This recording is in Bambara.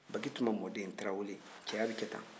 baki tuma mɔden tarawele cɛya bɛ kɛ tan